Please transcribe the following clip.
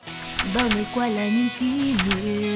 bao ngày qua là những kỉ niệm